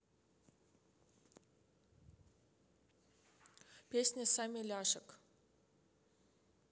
песня сами ляшек